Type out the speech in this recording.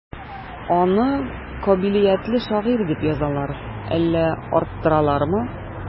Аны кабилиятле шагыйрь дип язалар, әллә арттыралармы?